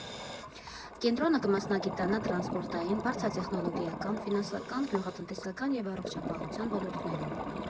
Կենտրոնը կմասնագիտանա տրասնպորտային, բարձր տեխնոլոգիական, ֆինանսական, գյուղատնտեսական և առողջապահության ոլորտներում։